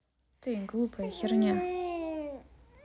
ты глупая херня